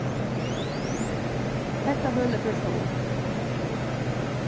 hetta hølið fær sól